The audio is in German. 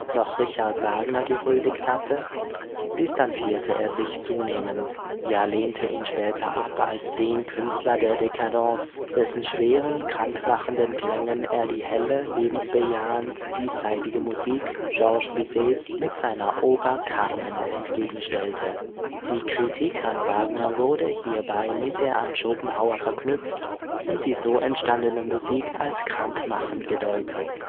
noch Richard Wagner gehuldigt hatte, distanzierte er sich zunehmend, ja lehnte ihn später ab als den Künstler der décadence, dessen schweren, krankmachenden Klängen er die helle, lebensbejahend-diesseitige Musik Georges Bizets mit seiner Oper Carmen entgegenstellte. „ Woran ich leide, wenn ich am Schicksal der Musik leide? Daran, daß die Musik um ihren weltverklärenden, jasagenden Charakter gebracht worden ist, daß sie décadence-Musik und nicht mehr die Flöte des Dionysos ist. “Die Kritik an Wagner wurde hierbei mit der an Schopenhauer verknüpft und die so entstandene Musik als krankmachend gedeutet